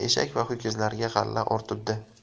eshak va ho'kizlarga g'alla ortibdi